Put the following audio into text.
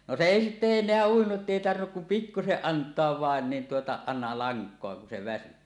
no se ei sitten enää uinut että ei tarvinnut kuin pikkuisen antaa vain niin tuota aina lankaa kun se väsyi